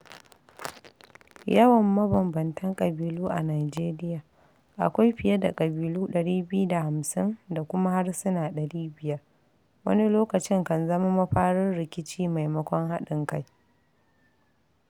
Yawan mabambamtan ƙabi'lu a Nijeriya - akwai fiye da ƙabilu 250 da kuma harsuna 500 - wani lokacin kan zama mafarin rikici maimakon haɗin kai.